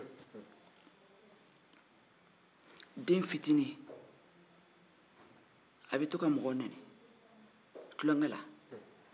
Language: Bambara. den fitinin be to ka mɔgɔ nɛni tulonke la